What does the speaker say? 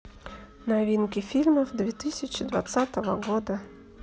новинки фильмов две тысячи двадцатого года